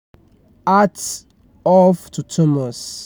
Hats off to Thomas.